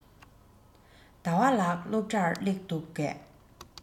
ཟླ བ ལགས སློབ གྲྭར སླེབས འདུག གས